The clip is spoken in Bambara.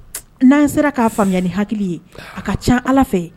N'an sera k'a faamuya ni hakili ye a ka ca ala fɛ